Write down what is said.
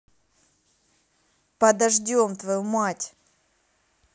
подождем твою мать